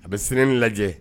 A bɛ siran lajɛ